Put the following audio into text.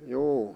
juu